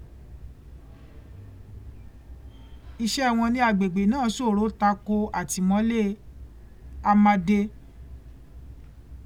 iṣẹ́ wọn ní agbègbè náà sọ̀rọ̀ tako àtìmọ́lé Amade